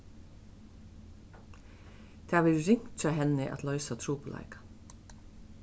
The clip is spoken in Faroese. tað verður ringt hjá henni at loysa trupulleikan